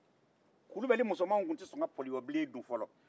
kulubali musomanw tun te sɔn ka npɔliyɔ bilen dun fɔlɔ